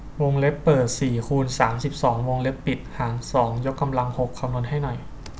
วงเล็บเปิดสี่คูณสามสิบสองวงเล็บปิดหารสองยกกำลังหกคำนวณให้หน่อย